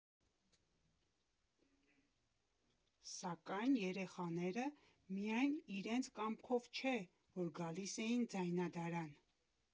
Սակայն երեխաները միայն իրենց կամքով չէ, որ գալիս էին ձայնադարան։